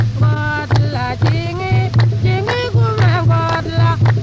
n'godila jingi jingi kun bɛ n'godila